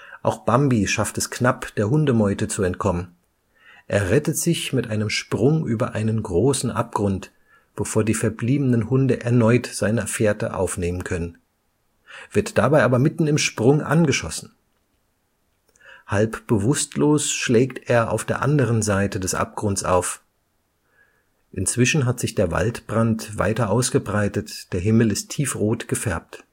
Auch Bambi schafft es knapp, der Hundemeute zu entkommen. Er rettet sich mit einem Sprung über einen großen Abgrund, bevor die verbliebenen Hunde erneut seine Fährte aufnehmen können, wird dabei aber mitten im Sprung angeschossen. Halb bewusstlos schlägt er auf der anderen Seite des Abgrunds auf. Inzwischen hat sich der Waldbrand weiter ausgebreitet, der Himmel ist tiefrot gefärbt